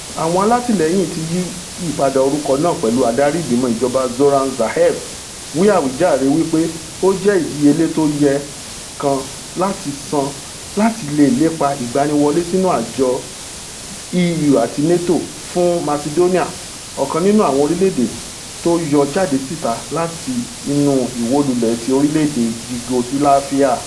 Àwọn alátìlẹyìn ti ìyípadà orúkọ náà, pẹ̀lú Adarí Ìgbìmọ̀ Ìjọba Zoran Zaev, wí àwíjàre wí pé ó jẹ́ ìdíyelé tóyẹ kan láti san láti leè lépa ìgbaniwọlé sínu àwọn àjọ bíi EU àti NATO fún Masidóníà, ọ̀kan nínú àwọn orílẹ̀-èdè tó yọ jáde síta láti inú ìwólulẹ̀ ti orílẹ̀-èdè Yugosilafia.